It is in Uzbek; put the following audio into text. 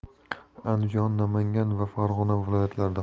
andijon namangan va farg'ona viloyatlarida